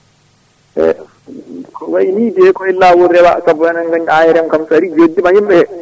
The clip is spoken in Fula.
e ko wayni koye lawol reewa saabu enen gandi kam ARN kam so ari joddima e yimɓe he